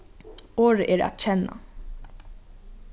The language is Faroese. orðið er at kenna